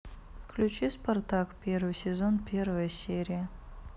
включи спартак первый сезон первая серия